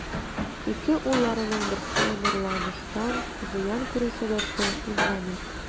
Ике улларының берсе нурланыштан зыян күрү сәбәпле, инвалид.